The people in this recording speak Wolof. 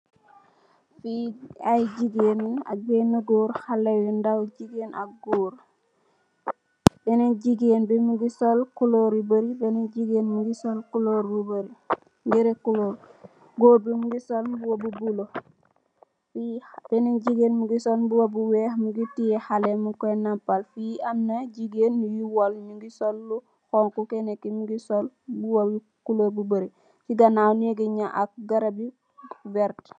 Fi ayi jigeen ak beenah goor bi mogui sol bobu bulu, benn jigeen bobu weex fi yi woll negi sol lo oxog keen ke mu sol bobu colour yu bari.